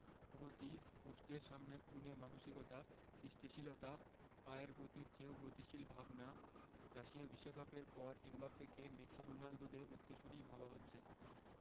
গতি পোস্টের সামনে খুনে মানসিকতা সৃষ্টিশীলতা পায়ের গতির চেয়েও গতিশীল ভাবনা রাশিয়া বিশ্বকাপের পর এমবাপ্পেকে মেসি রোনালদোদের উত্তরসূরিই ভাবা হচ্ছে